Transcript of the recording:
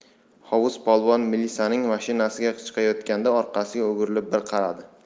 hovuz polvon milisaning mashinasiga chiqayotganda orqasiga o'girilib bir qaradi